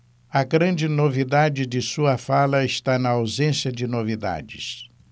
a grande novidade de sua fala está na ausência de novidades